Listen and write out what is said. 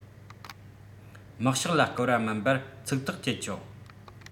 དམག ཕྱོགས ལ བསྐུར བ མིན པར ཚིག ཐག བཅད ཆོག